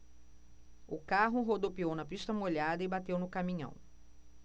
o carro rodopiou na pista molhada e bateu no caminhão